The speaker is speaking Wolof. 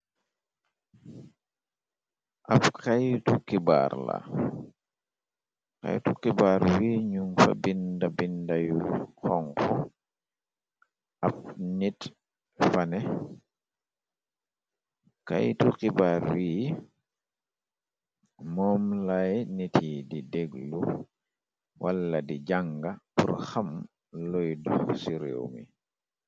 Ab kaitu xibarla xaytu xibaar wi nu fa bind bindayu xonxu ab nit fane kaytu xibaar wi moom lay nit yi di déglu wala di jànga pur xam luy dox ci réew mi.